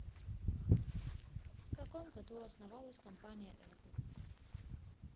в каком году основалась компания эпл